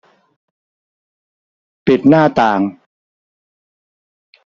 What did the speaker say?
ปิดหน้าต่าง